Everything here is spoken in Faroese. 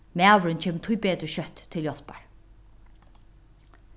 maðurin kemur tíbetur skjótt til hjálpar